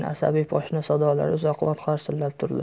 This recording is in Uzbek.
asabiy poshna sadolari uzoq vaqt qarsillab turdi